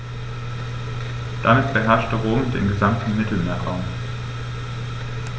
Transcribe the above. Damit beherrschte Rom den gesamten Mittelmeerraum.